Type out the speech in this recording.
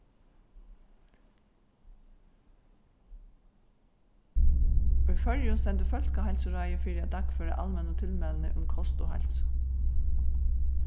í føroyum stendur fólkaheilsuráðið fyri at dagføra almennu tilmælini um kost og heilsu